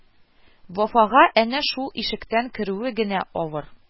Вафага әнә шул ишектән керүе генә авыр